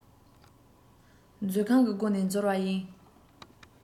མཛོད ཁང གི སྒོ ནས འཛུལ བ ཡིན